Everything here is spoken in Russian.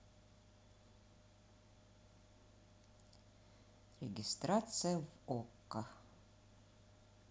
регистрация в окко